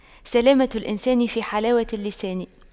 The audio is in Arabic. سلامة الإنسان في حلاوة اللسان